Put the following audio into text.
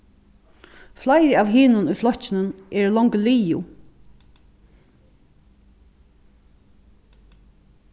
fleiri av hinum í flokkinum eru longu liðug